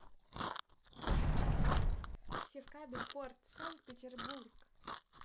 севкабель порт санкт петербург